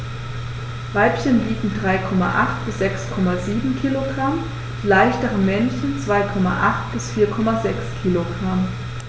Weibchen wiegen 3,8 bis 6,7 kg, die leichteren Männchen 2,8 bis 4,6 kg.